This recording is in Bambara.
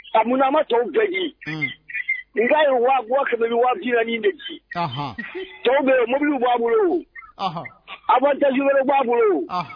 Ɔ mun na a ma tɔw bɛɛ di? n k'a ye 700 000 de ci , tɔw b'a bolo wo bɛ mobiliw b'a bolo, ɔh, avantages wɛrɛw b' a bolo